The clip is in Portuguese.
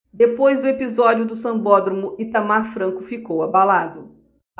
depois do episódio do sambódromo itamar franco ficou abalado